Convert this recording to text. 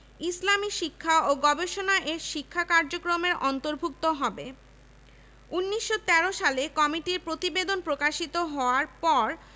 এটির কাজ হবে শিক্ষা দান ও গবেষণা ২. ঢাকা বিশ্ববিদ্যালয় হবে স্বায়ত্তশাসিত একটি প্রতিষ্ঠান